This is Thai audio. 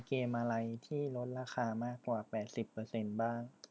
มีเกมอะไรที่ลดราคามากกว่าแปดสิบเปอร์เซนต์บ้าง